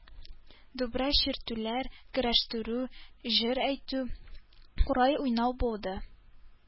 Думбра чиртүләр, көрәштерү, җыр әйтү, курай уйнау булды.